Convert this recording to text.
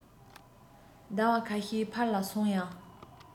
ཟླ བ ཁ ཤས ཕར ལ སོང ཡང